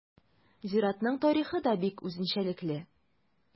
Зиратның тарихы да бик үзенчәлекле.